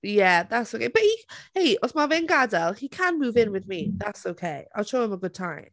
Yeah, that's ok. But he- hei, os mae fe'n gadael, he can move in with me, that's ok. I'll show him a good time.